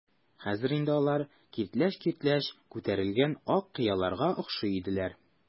Хәзер инде алар киртләч-киртләч күтәрелгән ак кыяларга охшый иделәр.